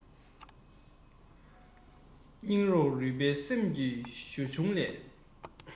སྙིང ཁོངས རུས པའི སེམས ཀྱི གཞུ ཆུང ལས